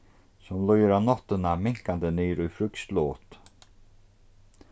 sum líður á náttina minkandi niður í frískt lot